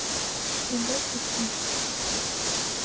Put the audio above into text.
не бойся смерти